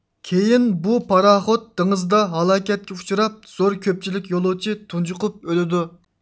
كېيىن بۇ پاراخوت دېڭىزدا ھالاكەتكە ئۇچراپ زور كۆپچىلىك يولۇچى تۇنجۇقۇپ ئۆلىدۇ